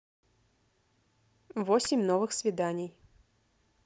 восемь новых свиданий